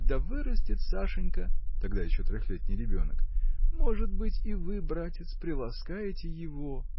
когда вырастет Сашенька – тогда еще трехлетний ребенок – может быть и вы братец приласкаете его.